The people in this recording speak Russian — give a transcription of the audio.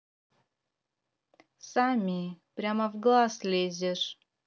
сами прямо в глаз лезешь